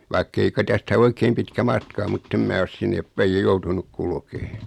vaikka ei ka tästä oikein pitkä matka ole mutta en minä ole sinne päin ja joutunut kulkemaan